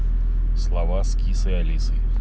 слова с кисой алисой